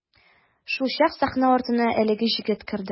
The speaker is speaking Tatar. Шулчак сәхнә артына әлеге җегет керде.